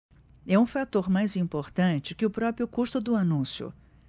é um fator mais importante que o próprio custo do anúncio